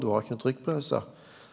du har ikkje nokon trykkpresse.